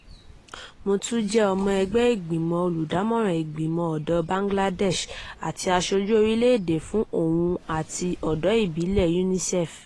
Mo tún jẹ́ ọmọ ẹgbẹ́ ìgbìmọ̀ olùdámọ̀ràn Ìgbìmọ̀ Ọ̀dọ́ Bangladesh, àti Aṣojú Orílẹ̀-èdè fún Ohùn àwọn Ọ̀dọ́ Ìbílẹ̀ UNICEF.